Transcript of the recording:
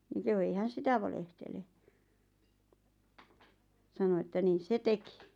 niin kehui ei hän sitä valehtele sanoi että niissä se teki